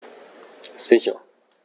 Sicher.